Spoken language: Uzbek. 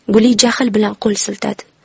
guli jahl bilan qo'l siltadi